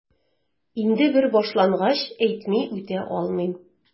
Инде бер башлангач, әйтми үтә алмыйм...